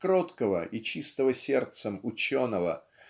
кроткого и чистого сердцем ученого